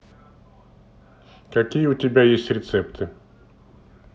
какие у тебя есть рецепты